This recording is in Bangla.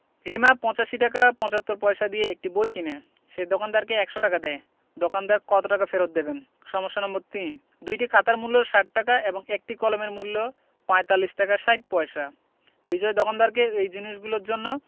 রিমা ৮৫ টাকা ৭৫ পয়সা দিয়ে একটি বই কিনে সে দোকানদারকে ১০০ টাকা দেয় দোকানদার কত টাকা ফেরত দেবেন সমস্যা নম্বর ৩ দুইটি খাতার মূল্য ৬০ টাকা এবং একটি কলমের মূল্য ৪৫ টাকা ৬০ পয়সা বিজয় দোকানদারকে এই জিনিসগুলোর জন্য